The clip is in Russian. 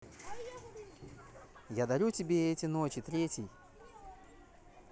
я дарю тебе эти ночи третий